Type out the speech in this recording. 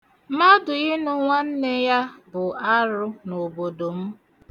Mmadu ̣ịnụ nwanne ya bụ arụ n'obodo m.